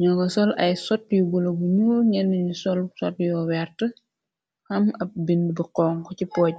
ñoo ngo sol ay sot yu bula bu ñu ñenn ñu sol sot yo wert xam ab bind bu xonk ci poj.